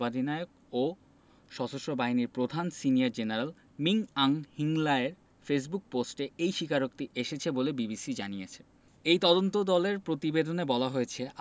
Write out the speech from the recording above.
গতকাল বুধবার মিয়ানমার সশস্ত্র বাহিনীর সর্বাধিনায়ক ও সশস্ত্র বাহিনীর প্রধান সিনিয়র জেনারেল মিং অং হ্লিয়াংয়ের ফেসবুক পোস্টে এই স্বীকারোক্তি এসেছে বলে বিবিসি জানিয়েছে